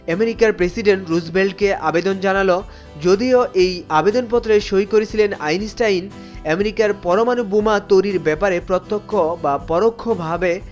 এমেরিকার president Roosevelt কে আবেদন জানাল যদিও এই আবেদনপত্রে সই করেছিলেন আইনস্টাইন এমেরিকার পরমাণু বোমা তৈরি ব্যাপারে প্রত্যক্ষ বা পরোক্ষভাবে